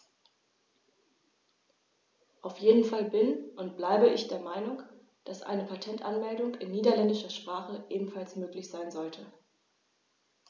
Auf jeden Fall bin - und bleibe - ich der Meinung, dass eine Patentanmeldung in niederländischer Sprache ebenfalls möglich sein sollte.